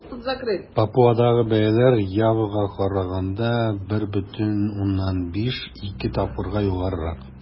Папуадагы бәяләр Явага караганда 1,5-2 тапкыр югарырак.